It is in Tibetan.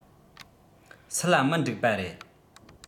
སུ ལ མི འགྲིག པ རེད